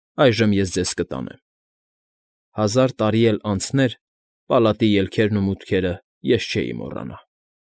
Այժմ ես ձեզ կտանեմ։ Հազար տարի էլ անցներ, պալատի ելքերն ու մուտքերը ես չէի մոռանա։